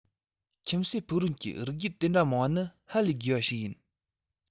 ཁྱིམ གསོས ཕུག རོན གྱི རིགས རྒྱུད དེ འདྲ མང པ ནི ཧ ལས དགོས པ ཞིག ཡིན